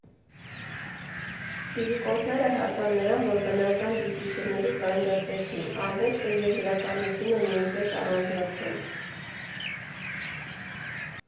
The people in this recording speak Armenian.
Ֆիզիկոսները հասան նրան, որ բնական գիտություններից անջատվեցին, արվեստը և գրականությունը նույնպես առանձնացան։